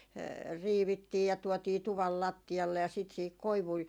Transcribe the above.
riivittiin ja tuotiin tuvan lattialle ja sitten siihen koivuja